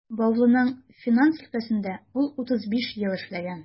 Баулының финанс өлкәсендә ул 35 ел эшләгән.